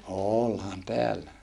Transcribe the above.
olihan täällä